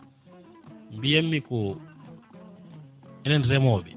mbiyatmi enen reemoɓe